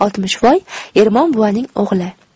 oltmishvoy ermon buvaning o'g'li